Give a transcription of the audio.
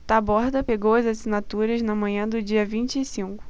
taborda pegou as assinaturas na manhã do dia vinte e cinco